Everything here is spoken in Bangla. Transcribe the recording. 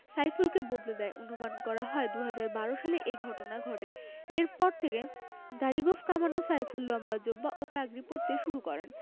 সাইফুলকে বদলে দেয় অনুমান করা হয় ২০১২ সালে এ ঘটনা ঘটে এরপর থেকে দাড়ি গোঁফ কামানো সাইফুল লম্বা জোব্বা ও পাগড়ি পরতে শুরু করেন